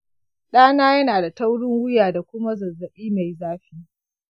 ɗana yana da taurin wuya da kuma zazzabi mai zafi